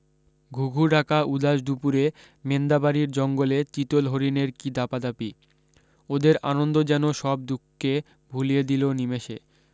ঘুঘু ডাকা উদাস দুপুরে মেন্দাবাড়ির জঙ্গলে চিতল হরিণের কী দাপাদাপি ওদের আনন্দ যেন সব দুখকে ভুলিয়ে দিল নিমেষে